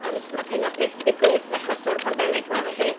Ond wnaeth hynna byth ddigwydd achos o'r pandemig ma, felly...